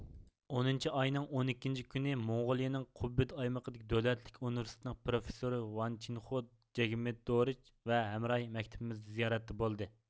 ئونىنچى ئاينىڭ ئون ئىككىنچى كۈنى موڭغولىيىنىڭ قۇبىد ئايمىقىدىكى دۆلەتلىك ئۇنىۋېرسىتېتنىڭ پروففېسسورى ۋانچىنخۇ جىگمېددورج ۋە ھەمراھى مەكتىپىمىزدە زىيارەتتە بولدى